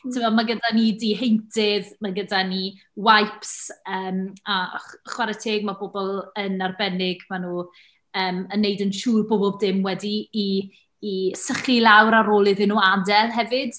Timod, mae gyda ni diheintydd. Mae gyda ni wipes. Yym, a ch- chwarae teg, ma' pobl yn arbennig, maen nhw yym yn eneud yn siŵr bo' pob dim wedi ei ei sychu lawr ar ôl iddyn nhw adael hefyd.